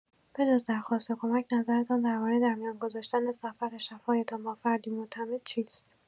به‌جز درخواست کمک، نظرتان درباره در میان گذاشتن سفر شفایتان با فردی معتمد چیست؟